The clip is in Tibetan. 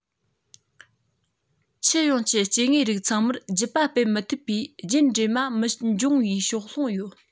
ཁྱུ ཡོངས ཀྱི སྐྱེ དངོས རིགས ཚང མར རྒྱུད པ སྤེལ མི ཐུབ པའི རྒྱུད འདྲེས མ མི འབྱུང བའི ཕྱོགས ལྷུང ཡོད